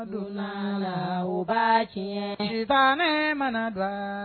Don n'ala o ba tiyɛn sitanɛ mana don ala